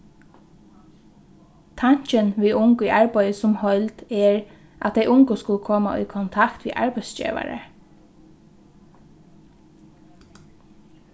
tankin við ung í arbeiði sum heild er at tey ungu skulu koma í kontakt við arbeiðsgevarar